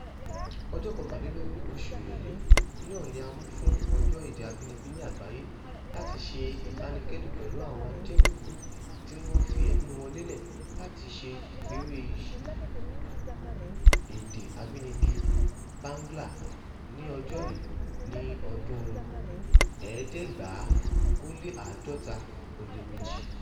Ọjọ́ 21 oṣù Èrèlé náà ni a mú fún ọjọ́ Èdè Abínibí ní àgbáyé láti ṣe ìbánikẹ́dùn pẹ̀lú àwọn ajẹ́rìí kú tí wọ́n fi ẹ̀mí wọn lélè láti ṣe ìgbéró iyì Èdè Abínibí Bangla, ní ọjọ́ yìí ní ọdún 1952.